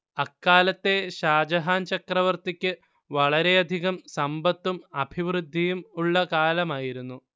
അക്കാലത്തെ ഷാജഹാൻ ചക്രവർത്തിക്ക് വളരെയധികം സമ്പത്തും അഭിവൃദ്ധിയും ഉള്ള കാലമായിരുന്നു